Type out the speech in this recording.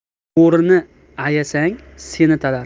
bo'rini ayasang seni talar